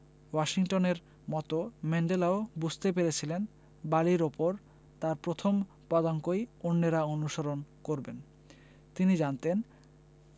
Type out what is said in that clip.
ওয়াশিংটনের মতো ম্যান্ডেলাও বুঝতে পেরেছিলেন বালির ওপর তাঁর প্রথম পদাঙ্কই অন্যেরা অনুসরণ করবেন তিনি জানতেন